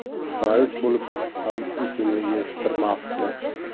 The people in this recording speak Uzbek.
rais bo'lib ham esini yig'ishtirmabdi